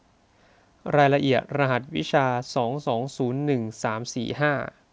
รายละเอียดรหัสวิชาสองสามศูนย์หนึ่งสามสี่ห้า